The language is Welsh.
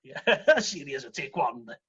Serious wt ti go on the... tec won